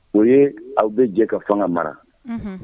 O ye aw bɛ jɛ ka fanga mara